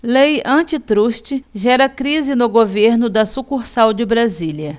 lei antitruste gera crise no governo da sucursal de brasília